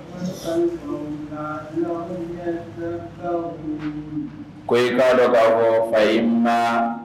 ko i ka dɔ ka fɔ